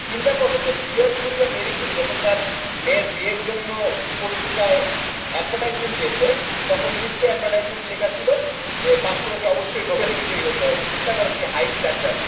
চিন্তা করো Pierre Curie বা মেরি কুরি যখন তার মেয়ের বিয়ের জন্য পত্রিকায় অ্যাডভার্টাইজমেন্ট দিয়েছে তখন নিশ্চয় অ্যাডভার্টাইজমেন্ট লেখা ছিল যে পাত্রকে অবশ্য নোবেল বিজয়ী হতে হবে চিন্তা কর কি হাই স্ট্যান্ডার্ড